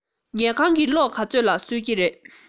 ཉལ ཁང གི གློག ཆུ ཚོད ག ཚོད ལ གསོད ཀྱི རེད